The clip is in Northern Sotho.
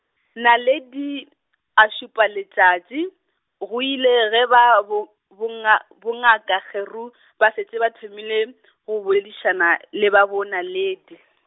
Naledi, a šupa letšatši, go ile ge ba bo, bonga-, bongaka Kgeru , ba šetše ba thomile , go boledišana, le ba bonaledi.